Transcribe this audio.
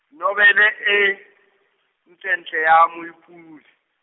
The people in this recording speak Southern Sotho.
nobele e, ntlentle ya Moephuli.